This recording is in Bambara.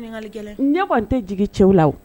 Ne kɔni tɛ jigi cɛw la